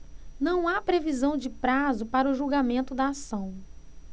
não há previsão de prazo para o julgamento da ação